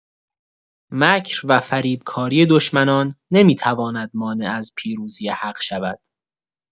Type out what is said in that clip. مکر و فریب‌کاری دشمنان نمی‌تواند مانع از پیروزی حق شود.